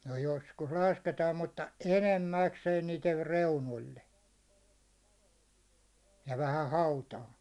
no joskus lasketaan mutta enimmäkseen niiden reunoille ja vähän hautaan